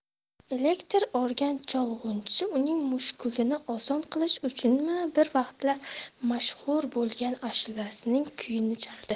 elektr organ cholg'uchisi uning mushkulini oson qilish uchunmi bir vaqtlar mashhur bo'lgan ashulasining kuyini chaldi